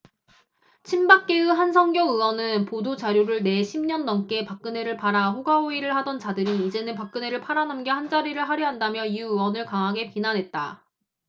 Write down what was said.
친박계의 한선교 의원은 보도 자료를 내 십 년 넘게 박근혜를 팔아 호가호위를 하던 자들이 이제는 박근혜를 팔아넘겨 한자리를 하려 한다며 유 의원을 강하게 비난했다